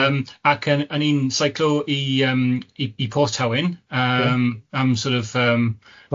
Yym ac yn yn i'n seiclo i yym i i Port Tewiy yym am sort of yym